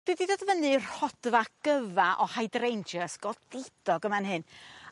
Dwi 'di dod fyny rhodfa gyfa o Hydrangeas godidog yn man hyn.